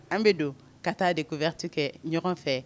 An bɛ don ka taa'a de kuyatu kɛ ɲɔgɔn fɛ